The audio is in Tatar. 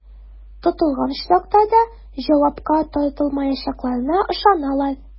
Тотылган очракта да җавапка тартылмаячакларына ышаналар.